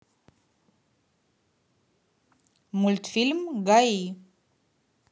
мультфильм гаи